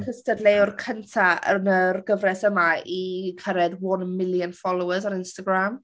cystadleuwr cynta yn yr gyfres yma i cyrraedd one million followers ar Instagram.